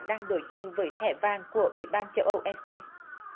đang đối diện với thẻ vàng của ủy ban châu âu e cê